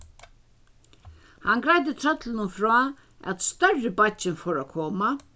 hann greiddi trøllinum frá at størri beiggin fór at koma